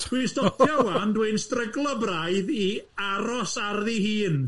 Dwi'n stopio ŵan, dwi'n stryglo braidd i aros ar ddihun.